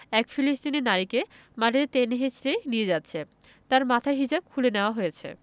এক ফিলিস্তিনি নারীকে মাটিতে টেনে হেঁচড়ে নিয়ে যাচ্ছে তার মাথার হিজাব খুলে নেওয়া হয়েছে